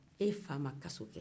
e fa ma kaso kɛ